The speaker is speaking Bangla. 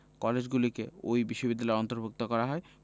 কলেজগুলিকে ওই বিশ্ববিদ্যালয়ের অন্তর্ভুক্ত করা হয়